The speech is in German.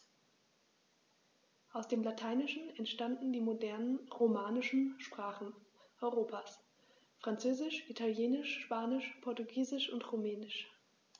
Aus dem Lateinischen entstanden die modernen „romanischen“ Sprachen Europas: Französisch, Italienisch, Spanisch, Portugiesisch und Rumänisch.